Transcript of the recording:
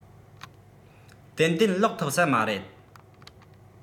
ཏན ཏན ལོག ཐུབ ས མ རེད